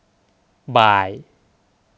บ่าย